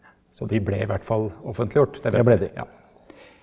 så de ble i hvert fall offentliggjort det vet vi ja.